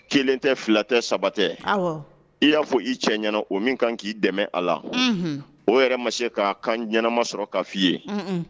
Kelen tɛ fila tɛ saba tɛ, awɔ, i y'a fɔ i cɛ ɲɛna o min ka kan k'i dɛmɛ a la, unhun, o yɛrɛ ma se ka ɲɛnama sɔrɔ k'a f fɔ i ye. Unun.